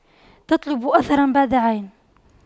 تطلب أثراً بعد عين